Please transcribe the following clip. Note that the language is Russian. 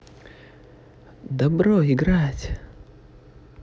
добро играть